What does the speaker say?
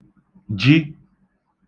ji